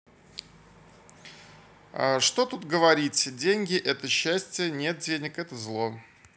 что тут говорить деньги это счастье нет денег это зло